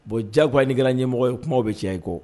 Bon jago a ni kɛra ɲɛmɔgɔ ye kuma bɛ cɛ ye kɔ